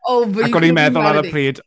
Ac o'n i'n meddwl ar y pryd...